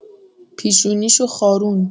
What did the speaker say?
پیشونیش رو خاروند